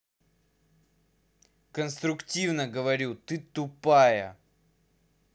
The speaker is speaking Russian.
конструктивно говорю ты тупая